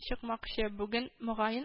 Чыкмакчы, бүген, мөгаен